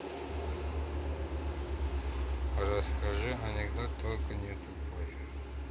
расскажи анекдот только не тупой